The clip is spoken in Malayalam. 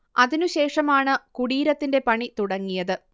അതിനുശേഷമാണ് കുടീരത്തിന്റെ പണി തുടങ്ങിയത്